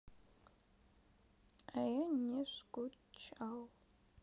а я не скучал